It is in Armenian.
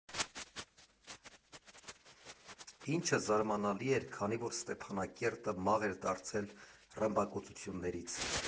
Ինչը զարմանալի էր, քանի որ Ստեփանակերտը մաղ էր դարձել ռմբակոծություններից։